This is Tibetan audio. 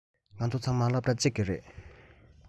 ང ཚོ ཚང མ སློབ གྲྭ གཅིག གི རེད